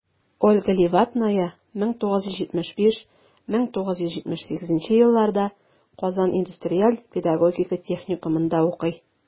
Ольга Левадная 1975-1978 елларда Казан индустриаль-педагогика техникумында укый.